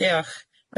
Dioch.